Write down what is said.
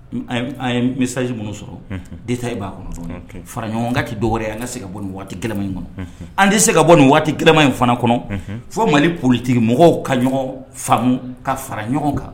An ye misasi minnu sɔrɔ deta e b'a kɔnɔ fara ɲɔgɔn ka kii dɔwɛrɛ ye an ka se ka bɔ nin waatiman in kɔnɔ an tɛse ka bɔ nin waati kiraman in fana kɔnɔ fɔ mali politigi mɔgɔw ka ɲɔgɔn faamumu ka fara ɲɔgɔn kan